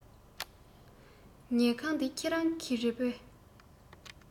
ཉལ ཁང འདི ཁྱེད རང གི རེད པས